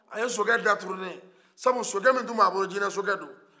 a y'a sokɛda turunɛ sabu sokɛ min tun bɛ a bolo jinɛsokɛdo